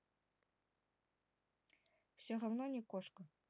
все равно не коша